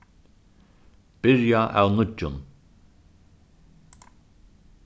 byrja av nýggjum